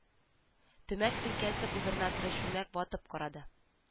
Төмән өлкәсе губернаторы чүлмәк ватып карады